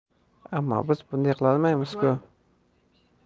ammo biz bunday qilolmaymiz ku